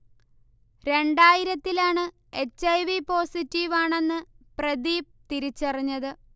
രണ്ടായിരത്തിലാണ് H. I. V positive ആണെന്ന് പ്രദീപ് തിരിച്ചറിഞ്ഞത്